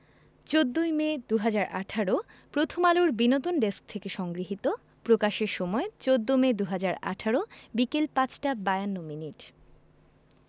১৪ই মে ২০১৮ প্রথমআলোর বিনোদন ডেস্কথেকে সংগ্রহীত প্রকাশের সময় ১৪মে ২০১৮ বিকেল ৫টা ৫২ মিনিট